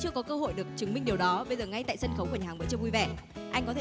chưa có cơ hội được chứng minh điều đó bây giờ ngay tại sân khấu của nhà hàng bữa trưa vui vẻ anh có thể